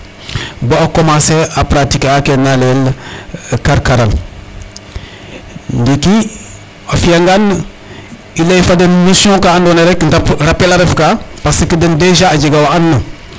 Bo a commencer a pratiquer a ke na layel karkaral ndiiki a fi'angaan i lay fo den notion ka andoona yee rappel a refka parce que den déjà a jega wa andna.